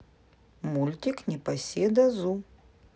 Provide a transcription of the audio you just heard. мультик непоседа зу